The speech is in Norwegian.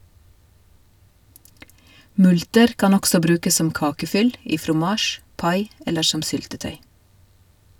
Multer kan også brukes som kakefyll, i fromasj, pai eller som syltetøy.